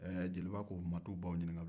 ɛɛ jeliba k'u ma taa u baw ɲinika